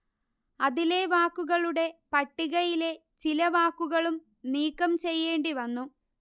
അതിലെ വാക്കുകളുടെ പട്ടികയിലെ ചില വാക്കുകളും നീക്കം ചെയ്യേണ്ടി വന്നു